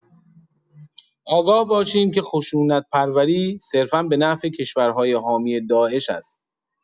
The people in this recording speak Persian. آگاه باشیم که خشونت‌پروری صرفا به نفع کشورهای حامی داعش است.